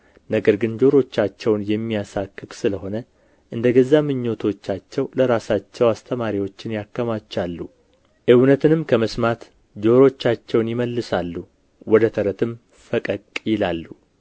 ነገር ግን ጆሮቻቸውን የሚያሳክክ ስለ ሆነ እንደ ገዛ ምኞታቸው ለራሳቸው አስተማሪዎችን ያከማቻሉ እውነትንም ከመስማት ጆሮቻቸውን ይመልሳሉ ወደ ተረትም ፈቀቅ ይላሉ